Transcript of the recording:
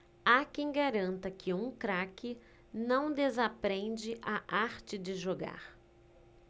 há quem garanta que um craque não desaprende a arte de jogar